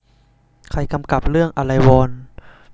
ใครกำกับเรื่องอะไรวอล